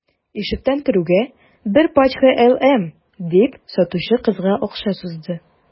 Ишектән керүгә: – Бер пачка «LM»,– дип, сатучы кызга акча сузды.